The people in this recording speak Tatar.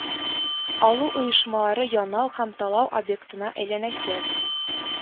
Алу оешмалары янау һәм талау объектына әйләнәчәк